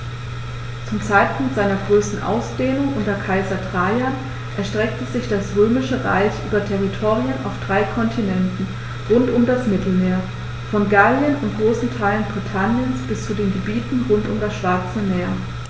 Zum Zeitpunkt seiner größten Ausdehnung unter Kaiser Trajan erstreckte sich das Römische Reich über Territorien auf drei Kontinenten rund um das Mittelmeer: Von Gallien und großen Teilen Britanniens bis zu den Gebieten rund um das Schwarze Meer.